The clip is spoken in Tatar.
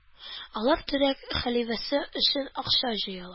Алар төрек хәлифәсе өчен акча җыялар